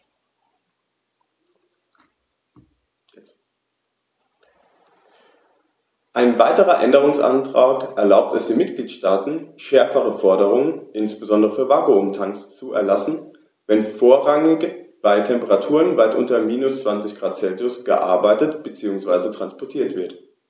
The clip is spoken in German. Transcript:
Ein weiterer Änderungsantrag erlaubt es den Mitgliedstaaten, schärfere Forderungen, insbesondere für Vakuumtanks, zu erlassen, wenn vorrangig bei Temperaturen weit unter minus 20º C gearbeitet bzw. transportiert wird.